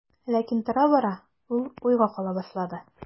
Ләкин тора-бара ул уйга кала башлады.